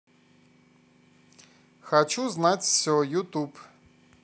хочу знать все ютуб